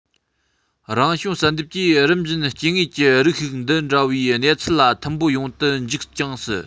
རང བྱུང བསལ འདེམས གྱིས རིམ བཞིན སྐྱེ དངོས ཀྱི རིགས ཤིག འདི འདྲ བའི གནས ཚུལ ལ མཐུན པོ ཡོང དུ འཇུག ཀྱང སྲིད